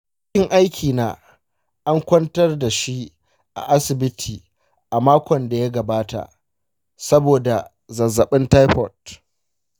abokin aikina an kwantar da shi a asibiti a makon da ya gabata saboda zazzabin taifoid.